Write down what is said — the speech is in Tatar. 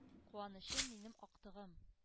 Куанычым минем, актыгым!